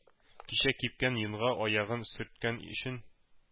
.кичә, кипкән йонга аягын сөрткән өчен,